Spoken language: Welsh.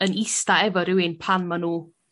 yn ista efo rywun pan ma' nw